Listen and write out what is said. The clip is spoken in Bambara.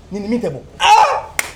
Ni nimi tɛ bon ah